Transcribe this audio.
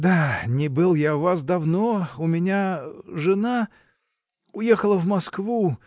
— Да, не был я у вас давно: у меня жена. уехала в Москву.